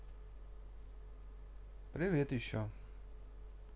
привет еще